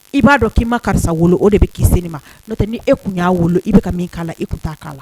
I b'a dɔn k'i ma karisa wolo o de bɛ ki ma n'o tɛ ni e kun y'a wolo i bɛ ka min k' la i tun t' k'a la